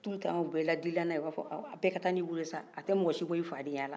toutle temps u bɛ bɛɛ ladina ye u b'a fɔ aw bɛɛ kata sa a tɛ mɔgɔsi b'i fadenyala